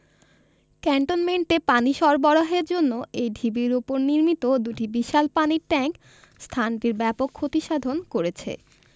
ক্যান্টনমেন্টে পানি সরবরাহের জন্য এই ঢিবির উপর নির্মিত দুটি বিশাল পানির ট্যাংক স্থানটির ব্যাপক ক্ষতিসাধন করেছে